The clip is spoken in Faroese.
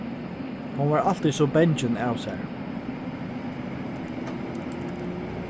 hon var altíð so bangin av sær